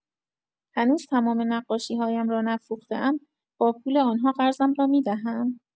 هنوز تمام نقاشی‌هایم را نفروخته‌ام، با پول آن‌ها قرضم را می‌دهم؟